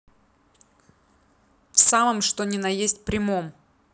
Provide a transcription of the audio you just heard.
в самом что ни на есть прямом